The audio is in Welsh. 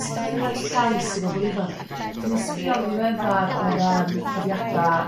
sud o'dden ni'n roi rhai llais i bobl ifanc? So o'n i'n sbïon ddiweddar o ran profiada'